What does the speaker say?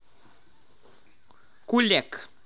кулек